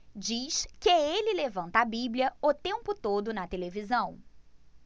diz que ele levanta a bíblia o tempo todo na televisão